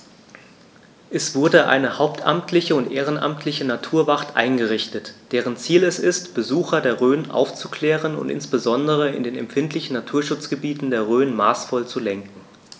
Es wurde eine hauptamtliche und ehrenamtliche Naturwacht eingerichtet, deren Ziel es ist, Besucher der Rhön aufzuklären und insbesondere in den empfindlichen Naturschutzgebieten der Rhön maßvoll zu lenken.